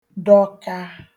dọka